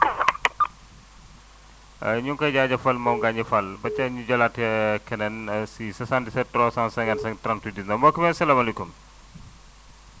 ñu ngi koy jaajëfal moom Gagny Fall ba tey ñu jëlaat keneen si 77 355 33 19 mbokk mi asalaamaaleykum